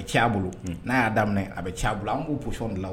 A bolo n'a y'a daminɛ a bɛ ci bolo an k' bosɔnɔn la